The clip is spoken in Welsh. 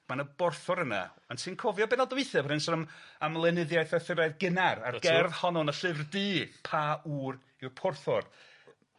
Ma' 'na borthwr yna, ond ti'n cofio benod dwytha bod o'n sôn am am lenyddiaeth Arthuraidd gynnar a'r gerdd honno yn y Llyfr Du, pa ŵr yw'r porthor?